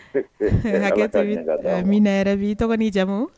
ɛnhɛn, Hakɛ to, i tɔgɔ n'i jamu?